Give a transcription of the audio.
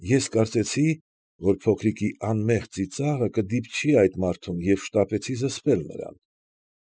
Ես կարծեցի, որ փոքրիկի անմեղ ծիծաղը կդիպչի այդ մարդուն և շտապեցի զսպել նրան։